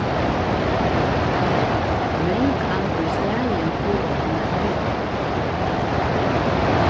men kann í staðin fáa eina herda bót